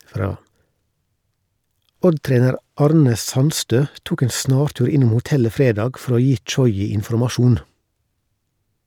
Odd-trener Arne Sandstø tok en snartur innom hotellet fredag for å gi Tchoyi informasjon.